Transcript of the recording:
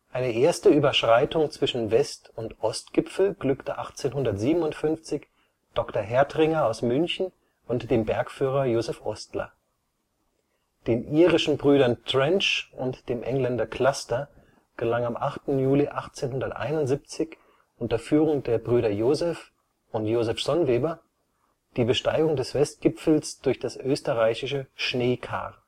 Eine erste Überschreitung zwischen West - und Ostgipfel glückte 1857 Dr. Härtringer aus München und dem Bergführer Joseph Ostler. Den irischen Brüdern Trench und dem Engländer Cluster gelang am 8. Juli 1871 unter Führung der Brüder Joseph und Joseph Sonnweber die Besteigung des Westgipfels durch das Österreichische Schneekar